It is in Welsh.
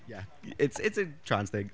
Ie, it's it's a trans thing.